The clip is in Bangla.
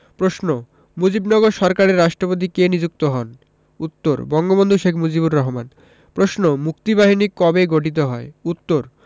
প্রশ্ন মুজিবনগর সরকারের রাষ্ট্রপতি কে নিযুক্ত হন উত্তর বঙ্গবন্ধু শেখ মুজিবুর রহমান প্রশ্ন মুক্তিবাহিনী কবে গঠিত হয় উত্তর